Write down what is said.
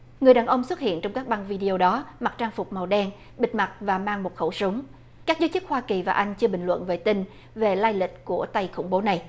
người đàn ông xuất hiện trong các băng vi đi ô đó mặc trang phục màu đen bịt mặt và mang một khẩu súng các giới chức hoa kỳ và anh chưa bình luận về tin về lai lịch của tay khủng bố này